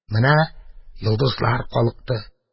Менә йолдызлар калыкты.